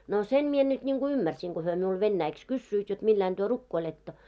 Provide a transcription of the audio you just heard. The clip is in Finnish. no sen minä nyt niin kuin ymmärsin kun he minulle venäjäksi kysyivät jotta millä lailla te rukoilette